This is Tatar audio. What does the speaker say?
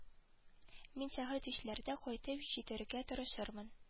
Мин сәгать өчләргә кайтып җитәргә тырышырмын